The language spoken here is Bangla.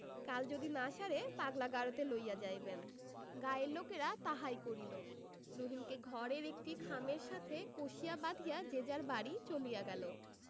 কাল যদি না সারে পাগলা গারদে লইয়া যাইবেন গাঁয়ের লোকেরা তাহাই করিল রহিমকে ঘরের একটি খামের সাথে কষিয়া বাধিয়া যে যার বাড়ি চলিয়া গেল